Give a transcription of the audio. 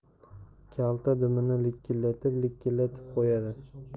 kalta dumini likillatib likillatib qo'yadi